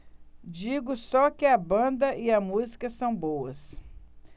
digo só que a banda e a música são boas